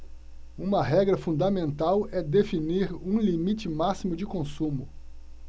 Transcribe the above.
uma regra fundamental é definir um limite máximo de consumo